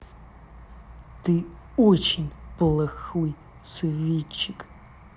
ты очень плохой советчик